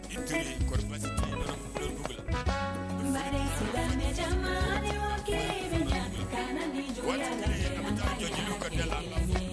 I Toure kɔri baasi te ye o waati 1 an be t'an jɔ jeliw ka da la ka fɔ